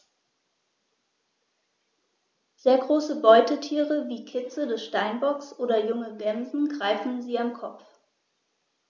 Sehr große Beutetiere wie Kitze des Steinbocks oder junge Gämsen greifen sie am Kopf.